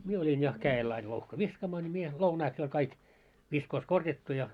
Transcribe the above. minä olin ja kädellä aina louhka viskaamaan niin minä lounaiksi jo oli kaikki viskoos korjattu ja